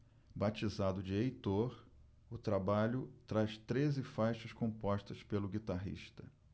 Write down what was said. batizado de heitor o trabalho traz treze faixas compostas pelo guitarrista